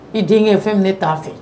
I denkɛ ye fɛn t'a fɛ